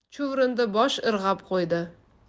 chuvrindi bosh irg'ab qo'ydi